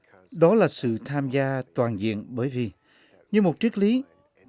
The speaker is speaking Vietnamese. đó là sự tham gia toàn diện bởi vì như một triết lý